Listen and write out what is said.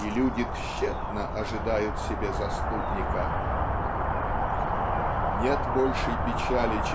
и люди тщетно ожидают себе заступника. Нет большей печали